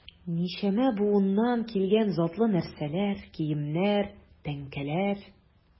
Ничәмә буыннан килгән затлы нәрсәләр, киемнәр, тәңкәләр...